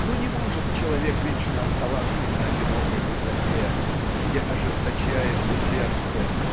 Но не может человек вечно оставаться на одинокой высоте где ожесточается сердце